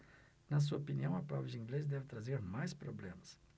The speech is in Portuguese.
na sua opinião a prova de inglês deve trazer mais problemas